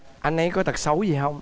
anh ấy có tật xấu gì hông